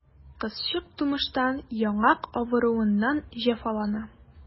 Кызчык тумыштан яңак авыруыннан җәфалана.